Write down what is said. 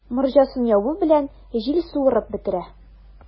Морҗасын ябу белән, җил суырып бетерә.